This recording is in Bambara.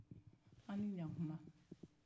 a' ni ɲantuma